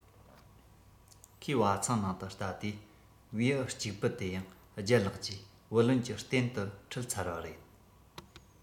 ཁོས བ ཚང ནང དུ ལྟ དུས བེའུ གཅིག པུ དེ ཡང ལྗད ལགས ཀྱིས བུ ལོན གྱི རྟེན དུ ཁྲིད ཚར བ རེད